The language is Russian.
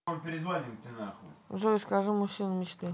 джой скажи мужчина мечты